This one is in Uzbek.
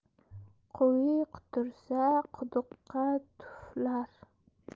qui qutursa quduqqa tuflar